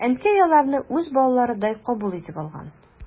Әнкәй аларны үз балаларыдай кабул итеп алган.